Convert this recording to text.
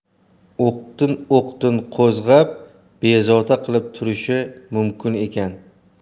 o'qtin o'qtin qo'zg'ab bezovta qilib turishi mumkin ekan